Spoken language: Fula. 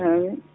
amine